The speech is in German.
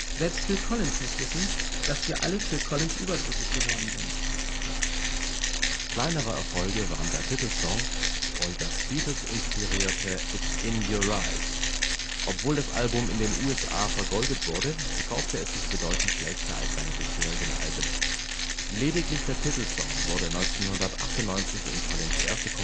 Selbst Phil Collins muss wissen, dass wir alle Phil Collins ' überdrüssig geworden sind. “Kleinere Erfolge waren der Titelsong und das Beatles-inspirierte It’ s in Your Eyes. Obwohl das Album in den USA vergoldet wurde, verkaufte es sich bedeutend schlechter als seine bisherigen Alben. Lediglich der Titelsong wurde 1998 in Collins ' erste Kompilation...